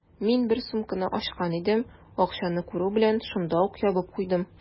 Мин бер сумканы ачкан идем, акчаны күрү белән, шунда ук ябып куйдым.